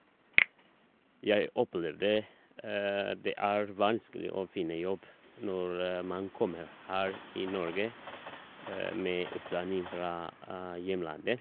Jeg opplevde det er vanskelig å finne jobb når man kommer her i Norge med utdanning fra hjemlandet.